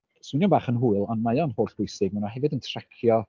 Swnio'n bach yn hwyl, ond mae o yn hollbwysig, maen nhw hefyd yn tracio...